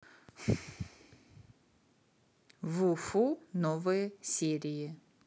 вуфу новые серии